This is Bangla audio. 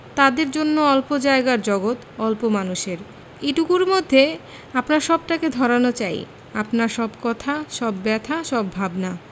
তাদের জন্য অল্প জায়গার জগত অল্প মানুষের এটুকুর মধ্যে আপনার সবটাকে ধরানো চাই আপনার সব কথা সব ব্যাথা সব ভাবনা